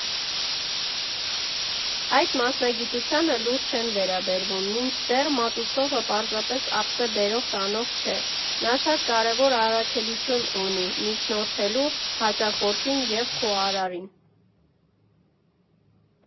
Այդ մասնագիտությանը լուրջ չեն վերաբերվում, մինչդեռ մատուցողը պարզապես ափսե բերող֊տանող չէ, նա շատ կարևոր առաքելություն ունի միջնորդելու հաճախորդին և խոհարարին։